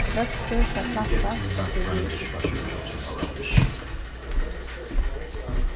vøkstur skal plantast eftir viðurskiftunum